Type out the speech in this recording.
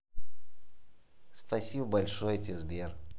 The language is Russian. спасибо большое тебе сбер